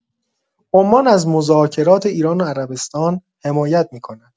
عمان از مذاکرات ایران و عربستان حمایت می‌کند.